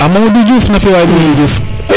a Mamadou Diouf na fio waay Mamadou Diouf